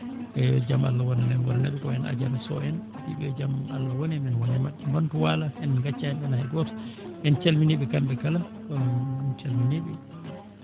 yo jam Allah wonan en wonana ɓe ko wayi no aljanna sow en mbii ɓe jam Allah won e men wona e maɓɓe won ko waalata en ngaccaani ɗoon hay gooto en calminii ɓe kamɓe kala en calminii ɓe